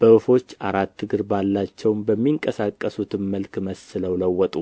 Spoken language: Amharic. በወፎች አራት እግር ባላቸውም በሚንቀሳቀሱትም መልክ መስለው ለወጡ